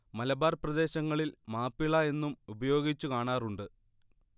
മലബാർ പ്രദേശങ്ങളിൽ മാപ്പിള എന്നും ഉപയോഗിച്ചു കാണാറുണ്ട്